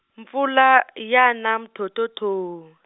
mpfula ya na mthothothoo.